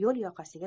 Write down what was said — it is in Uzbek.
yo'l yoqasiga